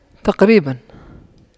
تقريبا